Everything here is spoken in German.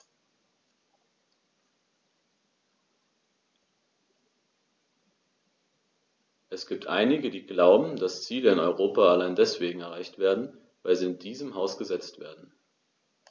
Es gibt einige, die glauben, dass Ziele in Europa allein deswegen erreicht werden, weil sie in diesem Haus gesetzt werden.